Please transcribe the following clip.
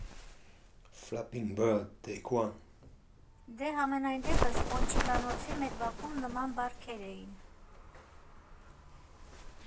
Դե, համենայն դեպս Պոնչիկանոցի մեր բակում նման բարքեր էին։